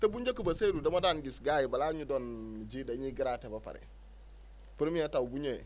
te bu njëkk ba Seydou dama daan gis gas yi balaa ñu doon ji dañuy gratter ba pare premier taw bu ñëwee